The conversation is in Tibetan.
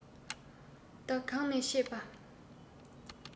བདག གང ནས ཆས པ